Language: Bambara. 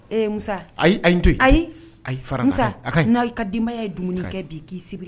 Ee Musa ayi a ye n toɲi . Ayi fara n na . Musa a ka ɲi . I ka denbaya ye dumuni kɛ bi ki